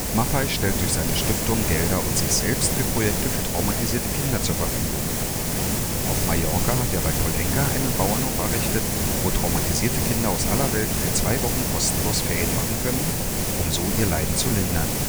Maffay stellt durch seine Stiftungen Gelder und sich selbst für Projekte für traumatisierte Kinder zur Verfügung. Auf Mallorca hat er bei Pollença einen Bauernhof errichtet, wo traumatisierte Kinder aus aller Welt für zwei Wochen kostenlos Ferien machen können, um so ihr Leiden zu lindern